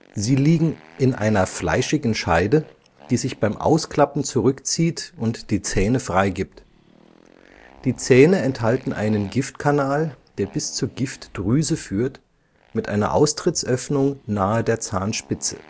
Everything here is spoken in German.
Sie liegen in einer fleischigen Scheide, die sich beim Ausklappen zurückzieht und die Zähne freigibt. Die Zähne enthalten einen Giftkanal, der bis zur Giftdrüse führt, mit einer Austrittsöffnung nahe der Zahnspitze